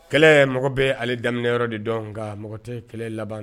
Kɛlɛ mago bɛ ale daminɛ yɔrɔ de dɔn nka mɔgɔ tɛ kɛlɛ laban